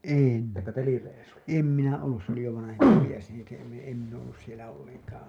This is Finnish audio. en en minä ollut se oli jo vanhempi mies niin se en en minä ole ollut siellä ollenkaan